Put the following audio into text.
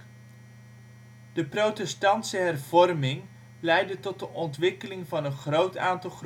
protestantse Hervorming leidde tot de ontwikkeling van een groot aantal